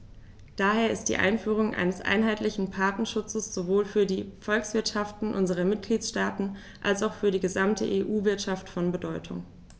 Daher ist die Einführung eines einheitlichen Patentschutzes sowohl für die Volkswirtschaften unserer Mitgliedstaaten als auch für die gesamte EU-Wirtschaft von Bedeutung.